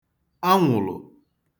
anwụ̀lụ̀